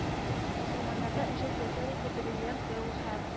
Мөселманнарда энҗе теләсә нинди бриллинт-гәүһә